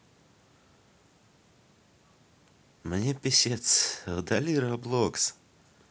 мне pieces удали роблокс